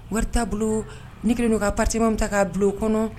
Wari ta bolo ne kɛlen don ka appartenant dɔ ta ka bilo kɔnɔ.